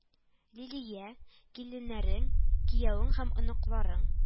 Лилия, киленнәрең, киявең һәм оныкларың